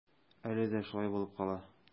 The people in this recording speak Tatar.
Әле дә шулай булып кала.